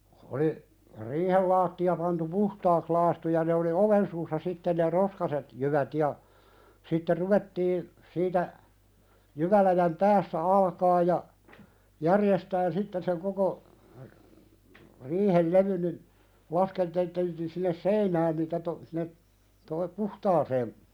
oli riihen lattia pantu puhtaaksi lakaistu ja ne oli oven suussa sitten ne roskaiset jyvät ja sitten ruvettiin siitä jyväläjän päässä alkaa ja järjestämään sitten sen koko riihen levyn niin laskelteltiin sinne seinään niitä - sinne tuonne puhtaaseen